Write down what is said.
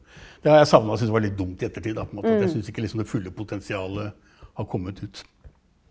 det har jeg savna, og syns det var litt dumt i ettertid da på en måte at jeg syns ikke liksom det fulle potensialet har kommet ut.